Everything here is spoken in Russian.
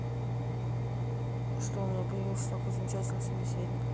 что у меня появился такой замечательный собеседник